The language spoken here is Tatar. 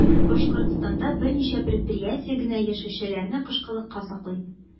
Башкортстанда берничә предприятие генә яшелчәләрне кышкылыкка саклый.